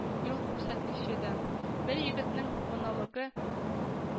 Юл күрсәткече дә. бер егетнең монологы